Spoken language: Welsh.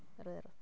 Yr Urdd.